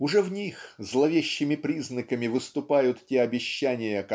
Уже в них зловещими признаками выступают те обещания